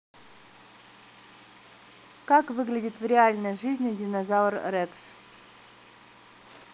как выглядит в реальной жизни динозавр рекс